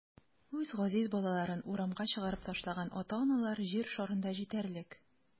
Үз газиз балаларын урамга чыгарып ташлаган ата-аналар җир шарында җитәрлек.